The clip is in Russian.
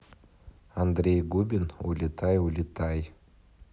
андрей губин улетай улетай